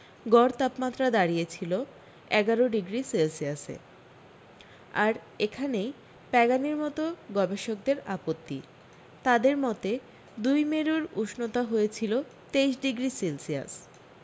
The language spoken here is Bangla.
গড় তাপমাত্রা দাঁড়িয়েছিলো এগারো ডিগ্রী সেলসিয়াসে আর এখানেই প্যাগানির মতো গবেষকদের আপত্তি তাঁদের মতে দুই মেরুর উষ্ণতা হয়েছিলো তেইশ ডিগ্রী সেলসিয়াস